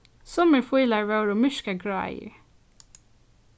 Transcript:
summir fílar vóru myrkagráir